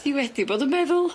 Ti wedi bod yn meddwl.